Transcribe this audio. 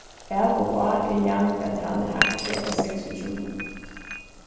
av og á er næmingatalið hægri enn seksogtjúgu